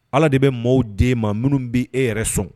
Ala de bɛ maaw d'e ma minnu b'e yɛrɛ sɔn.